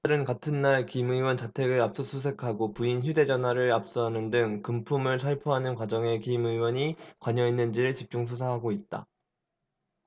경찰은 같은 날 김 의원 자택을 압수수색하고 부인 휴대전화를 압수하는 등 금품을 살포하는 과정에 김 의원이 관여했는지를 집중 수사하고 있다